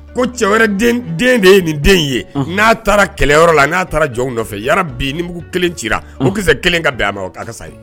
Ko cɛ wɛrɛ den de ye nin den ye. Na taara kɛlɛyɔrɔ la , na taara jɔn nɔfɛ yarabi ni mugu kelen cila, o kisɛ kelen ka bɛn a ma . A ka sa.